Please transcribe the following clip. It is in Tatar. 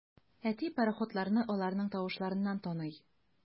Әти пароходларны аларның тавышларыннан таный.